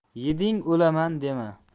yeding o'laman dema